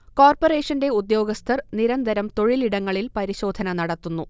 കോർപറേഷന്റെ ഉദ്യോഗസ്ഥർ നിരന്തരം തൊഴിലിടങ്ങളിൽ പരിശോധന നടത്തുന്നു